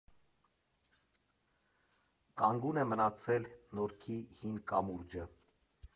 Կանգուն է մնացել Նորքի հին կամուրջը.